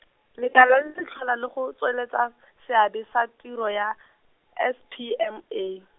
lekala le le tlhola le go, tsweletsa, seabe sa tiro ya, S P M A.